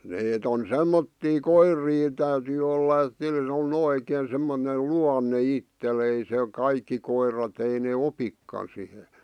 ne on semmoisia koiria ett' täytyy olla että niillä on oikein semmoinen luonne itsellä ei se kaikki koirat ei ne opikaan siihen